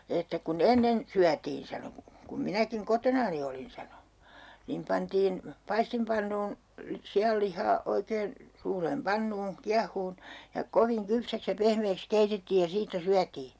että kun ennen syötiin sanoi kun minäkin kotonani olin sanoi niin pantiin paistinpannuun sianlihaa oikein suureen pannuun kiehumaan ja kovin kypsäksi ja pehmeäksi keitettiin ja siitä syötiin